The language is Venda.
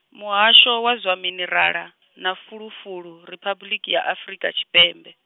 Muhasho wa zwa mineraḽa , na fulufulu, Riphabuḽiki ya Afrika Tshipembe.